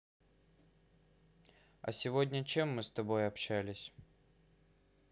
а сегодня чем мы с тобой общались